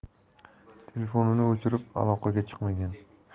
telefonini o'chirib aloqaga chiqmagan